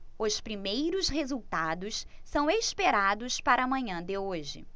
os primeiros resultados são esperados para a manhã de hoje